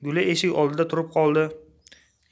guli eshik oldida turib qoldi